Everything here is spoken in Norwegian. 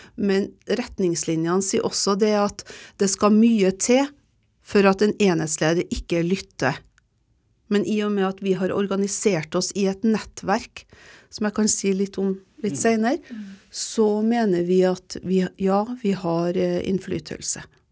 men retningslinjene sier også det at det skal mye til for at en enhetsleder ikke lytter, men i og med at vi har organisert oss i et nettverk som jeg kan si litt om litt seinere så mener vi at vi ja vi har innflytelse.